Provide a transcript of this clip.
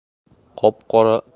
qop qora lo'li